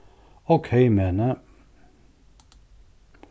ókey meðni